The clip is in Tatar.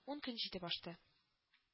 Ун көн җитеп ашты